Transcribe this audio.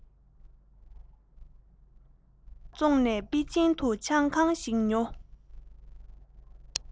འབུ འདི དག བཙོངས ནས པེ ཅིན དུ ཆང ཁང ཞིག ཉོ